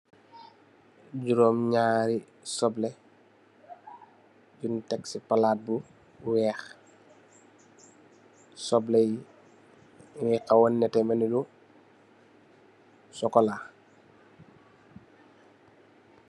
Jurum nyari suble bun take se palate bu weex suble ye nuge hawa neteh melne lu sukola.